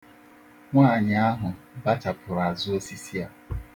Nwaanyị ahụ bachapuru azụ osisi a.